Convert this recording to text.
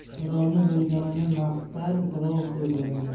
birov bilganini maqtar birov ko'rganini